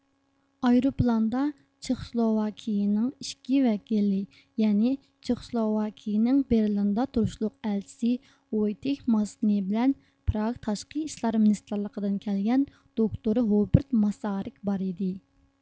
ئايروپىلاندا چېخسلوۋاكىيىنىڭ ئىككى ۋەكىلى يەنى چېخسلوۋاكىيىنىڭ بېرلىندا تۇرۇشلۇق ئەلچىسى ۋويتېھ ماستنى بىلەن پراگا تاشقى ئىشلار مىنىستىرلىقىدىن كەلگەن دوكتور ھۇبېرت ماسارىك بار ئىدى